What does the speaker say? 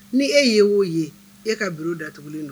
Ni e ye o ye e ka bureau datugulen do